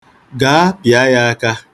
Gaa, pịa ya aka.